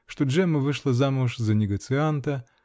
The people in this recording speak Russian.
что Джемма вышла замуж за негоцианта